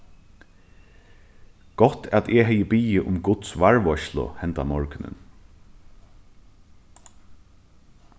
gott at eg hevði biðið um guds varðveitslu hendan morgunin